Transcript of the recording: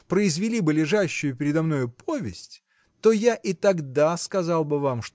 произвели бы лежащую передо мною повесть то я и тогда сказал бы вам